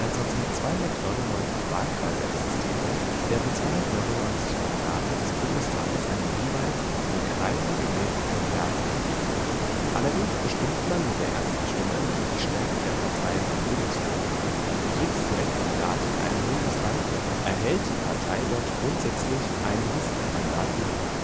zurzeit 299 Wahlkreise existieren, werden 299 Mandate des Bundestages an die jeweils in den Kreisen gewählten Kandidaten vergeben. Allerdings bestimmt man mit der Erststimme nicht die Stärke der Parteien im Bundestag. Für jedes Direktmandat in einem Bundesland erhält die Partei dort grundsätzlich ein Listenmandat weniger